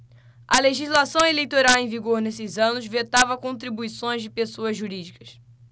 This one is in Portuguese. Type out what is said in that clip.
a legislação eleitoral em vigor nesses anos vetava contribuições de pessoas jurídicas